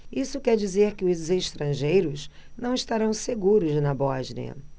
isso quer dizer que os estrangeiros não estarão seguros na bósnia